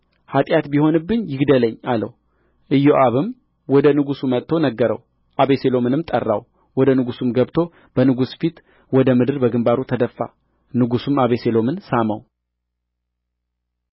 ኃጢአት ቢሆንብኝ ይግደለኝ አለው ኢዮአብም ወደ ንጉሥ መጥቶ ነገረው አቤሴሎምንም ጠራው ወደ ንጉሡም ገብቶ በንጉሥ ፊት ወደ ምድር በግምባሩ ተደፋ ንጉሡም አቤሴሎምን ሳመው